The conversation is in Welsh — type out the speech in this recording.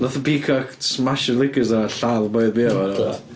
Wnaeth y peacock smasho'r liquor store a lladd y boi oedd biau fo naddo? Do